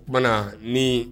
O tuma ni